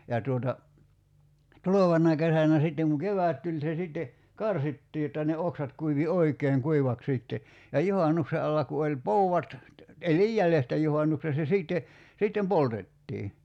ja tuota tulevana kesänä sitten kun kevät tuli se sitten karsittiin jotta ne oksat kuivui oikein kuivaksi sitten ja juhannuksen alla kun oli poudat eli jäljestä juhannuksen se sitten sitten poltettiin